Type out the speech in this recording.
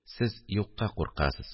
Сез юкка куркасыз